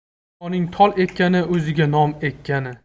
boboning tol ekkani o'ziga nom ekkani